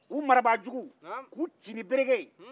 u marabaa jugu k'u ti ni bere ye